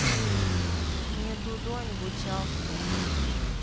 не дудонь бутявку